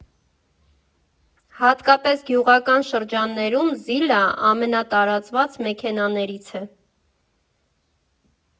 Հատկապես գյուղական շրջաններում, «զիլը» ամենատարածված մեքենաներից է։